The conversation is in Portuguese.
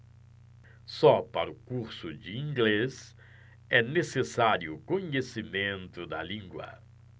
só para o curso de inglês é necessário conhecimento da língua